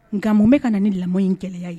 Nga mun bɛ ka na nin lamɔ in gɛlɛya ye?